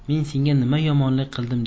men senga nima yomonlik qildim